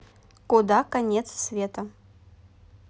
куда конец света